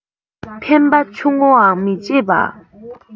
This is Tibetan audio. ཕན པ ཆུང ངུའང མི བརྗེད པ